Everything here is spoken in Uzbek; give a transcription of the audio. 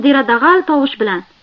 mudira dag'al tovush bilan